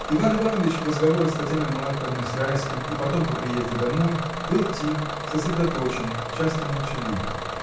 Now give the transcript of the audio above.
Иван Иванович в разговорах с Татьяной Марковной, с Райским и потом по приезде домой — был тих, сосредоточен, часто молчалив.